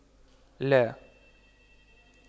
لا